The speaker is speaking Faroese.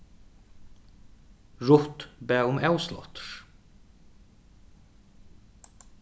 ruth bað um avsláttur